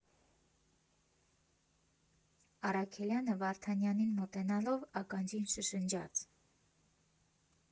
Առաքելյանը Վարդանյանին մոտենալով ականջին շշնջաց.